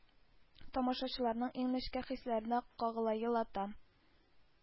Тамашачыларның иң нечкә хисләренә кагыла, елата